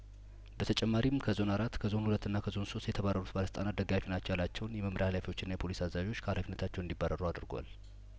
በተጨማሪም ከዞን አራት ከዞን ሁለትና ከዞን ሶስት የተባረሩት ባለስልጣናት ደጋፊ ናቸው ያላቸውን የመምሪያ ሀላፊዎችና የፖሊስ አዛዦች ከሀላፊነታቸው እንዲባረሩ አድርጓል